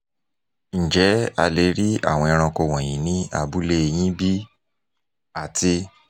"Ǹjẹ́ a lè rí àwọn ẹranko wọ̀nyí ní abúlée yín bí?", àti